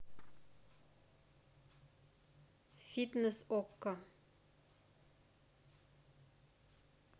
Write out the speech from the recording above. фитнес окко